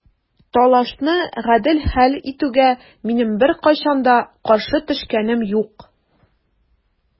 Талашны гадел хәл итүгә минем беркайчан да каршы төшкәнем юк.